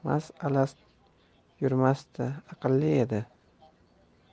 mast alast yurmasdi aqlli edi